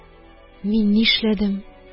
Мин ни эшләдем